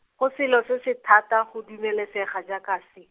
go selo se se thata go dumelesega jaaka se.